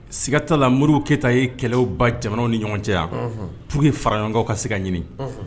Sigatala mori kɛta ye kɛlɛba jamana ni ɲɔgɔn cɛ yan pur que fara ɲɔgɔn ka se ka ɲini